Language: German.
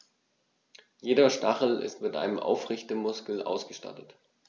Jeder Stachel ist mit einem Aufrichtemuskel ausgestattet.